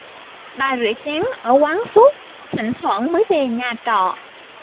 bà rửa chén ở quán suốt thỉnh thoảng mới về nhà trọ